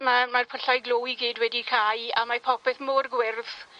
ma' mae'r pyllau glo i gyd wedi cau a mae popeth mor gwyrdd,